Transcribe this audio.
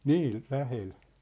niin lähellä